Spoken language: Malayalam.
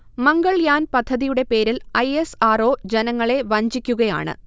മംഗൾയാൻ പദ്ധതിയുടെ പേരിൽ ഐ. എസ്. ആർ. ഒ. ജനങ്ങളെ വഞ്ചിക്കുകയാണ്